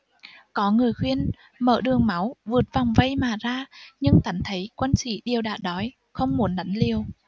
có người khuyên mở đường máu vượt vòng vây mà ra nhưng tánh thấy quân sĩ đều đã đói không muốn đánh liều